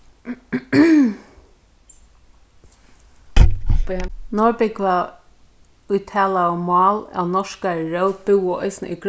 bíða norðbúgva ið talaðu mál av norskari rót búðu eisini í